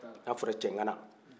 n'i a fɔra cɛgana